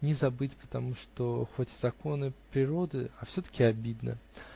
ни забыть, потому что хоть и законы природы, а все-таки обидно.